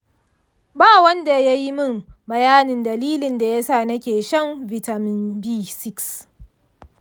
ba wanda ya yi min bayanin dalilin da yasa nake shan vitamin b6.